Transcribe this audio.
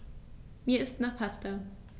Mir ist nach Pasta.